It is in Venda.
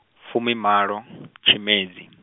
fumimalo , tshimedzi.